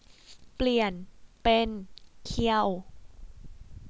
เปลี่ยนเป็นเคียว